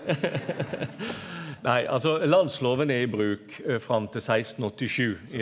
nei altså landsloven er i bruk fram til sekstenåttisju.